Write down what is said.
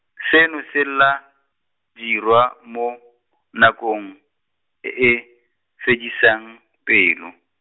seno se tla, dirwa, mo, nakong, e e, fediseng, pelo.